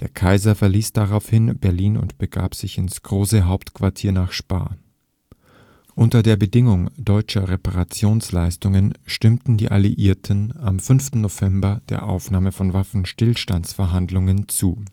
Kaiser verließ daraufhin Berlin und begab sich ins Große Hauptquartier nach Spa. Unter der Bedingung deutscher Reparationsleistungen stimmten die Alliierten am 5. November der Aufnahme von Waffenstillstandsverhandlungen zu